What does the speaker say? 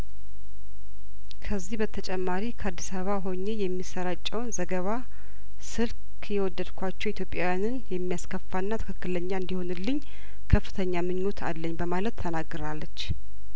ከዚህ በተጨማሪ ከአዲስ አበባ ሆኜ የሚሰራጨውን ዘገባ ስልክ የወደድኳቸው ኢትዮጵያውያንን የሚያስከፋና ትክክለኛ እንዲሆንልኝ ከፍተኛ ምኞች አለኝ በማለት ተናግራለች